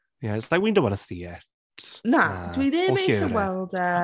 Ie, it’s like we don’t want to see it... Na, dwi ddim eisiau weld e.